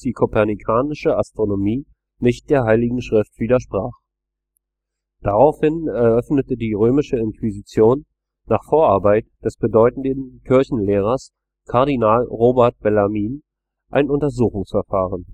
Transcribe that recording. kopernikanische Astronomie nicht der Heiligen Schrift widersprach. Daraufhin eröffnete die Römische Inquisition nach Vorarbeit des bedeutenden Kirchenlehrers Kardinal Robert Bellarmin ein Untersuchungsverfahren